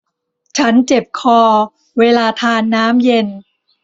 ฉันเจ็บคอเวลาทานน้ำเย็น